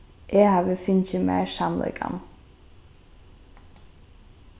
eg havi fingið mær samleikan